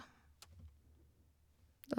Det...